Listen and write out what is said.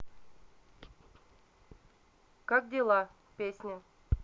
как дела песня